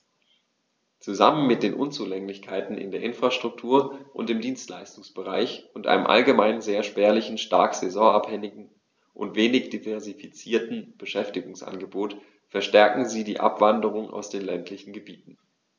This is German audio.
Zusammen mit den Unzulänglichkeiten in der Infrastruktur und im Dienstleistungsbereich und einem allgemein sehr spärlichen, stark saisonabhängigen und wenig diversifizierten Beschäftigungsangebot verstärken sie die Abwanderung aus den ländlichen Gebieten.